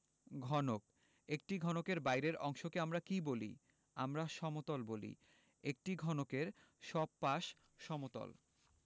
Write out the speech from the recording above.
ঘনকঃ একটি ঘনকের বাইরের অংশকে আমরা কী বলি আমরা সমতল বলি একটি ঘনকের সব পাশ সমতল